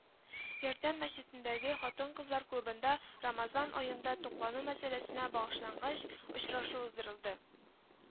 Ярдәм мәчетендәге хатын-кызлар клубында Рамазан аенда туклану мәсьәләсенә багышлангач очрашу уздырылды